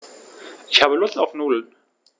Ich habe Lust auf Nudeln.